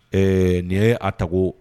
Ɛɛ nin ye a tago